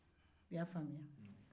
i y'a faamuya